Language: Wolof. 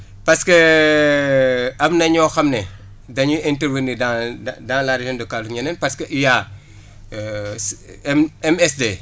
parce que am nañoo xam ne dañuy intervenir dans dans la région de * ñeneen parce que il y' a MSD